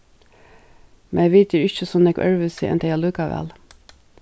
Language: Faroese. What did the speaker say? men vit eru ikki so nógv øðrvísi enn tey allíkavæl